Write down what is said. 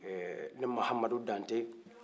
ɛɛ n mahamadu dante